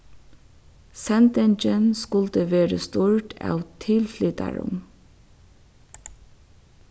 sendingin skuldi verið stýrd av tilflytarum